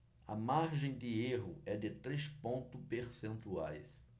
a margem de erro é de três pontos percentuais